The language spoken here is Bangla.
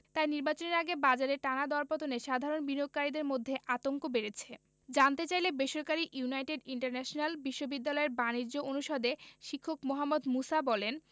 তাই নির্বাচনের আগে বাজারের টানা দরপতনে সাধারণ বিনিয়োগকারীদের মধ্যে আতঙ্ক বেড়েছে জানতে চাইলে বেসরকারি ইউনাইটেড ইন্টারন্যাশনাল বিশ্ববিদ্যালয়ের বাণিজ্য অনুষদের শিক্ষক মোহাম্মদ মুসা বলেন